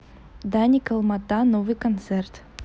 даник алмата новый концерт